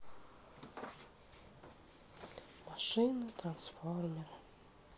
машины трансформеры